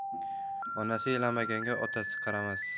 onasi yalamaganga otasi qaramas